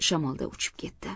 shamolda uchib ketdi